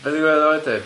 Bei ddigwyddo wedyn?